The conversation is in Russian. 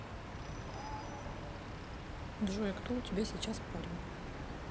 джой а кто у тебя сейчас парень